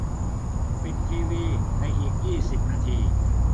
ปิดทีวีในอีกยี่สิบนาที